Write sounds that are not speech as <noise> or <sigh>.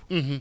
<hesitation> <hesitation>